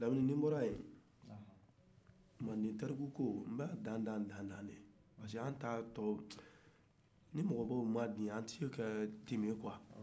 lamini ni nbɔra yen mande tiriku ko nb'a dan dan de parceque an t'a tɔ ni mɔgɔkɔrɔbaw m'a di an tise ka temɛ quoi